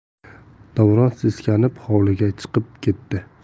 davron seskanib hovliga chiqib ketdi